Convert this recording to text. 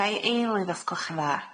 Gai eilydd os gwelwch yn dda?